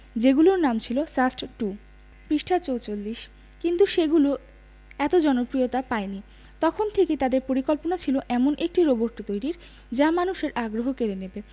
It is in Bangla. যেগুলোর নাম ছিল সাস্ট টু পৃষ্ঠা ৪৪ কিন্তু সেগুলো এত জনপ্রিয়তা পায়নি তখন থেকেই তাদের পরিকল্পনা ছিল এমন একটি রোবট তৈরির যা মানুষের আগ্রহ কেড়ে নেবে